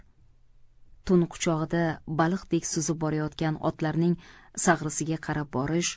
tun quchog'ida baliqdek suzib borayotgan otlarning sag'risiga qarab borish